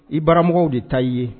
I baramɔgɔw de ta y'i ye.